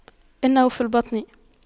إنه في البطن